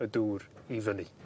y dŵr i fyny.